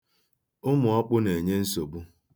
Ụmụ̀ọkpụ̄ na-enye nsogbu.